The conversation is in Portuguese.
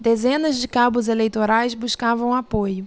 dezenas de cabos eleitorais buscavam apoio